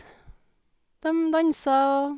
Dem dansa og...